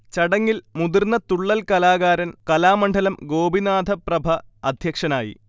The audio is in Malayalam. ചടങ്ങിൽ മുതിർന്ന തുള്ളൽ കലാകാരൻ കലാമണ്ഡലം ഗോപിനാഥപ്രഭ അധ്യക്ഷനായി